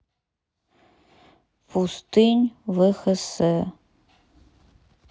пустынь вхс